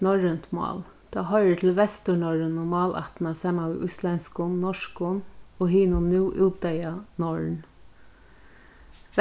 norrønt mál tað hoyrir til vesturnorrønu málættina saman við íslendskum norskum og hinum nú útdeyða norn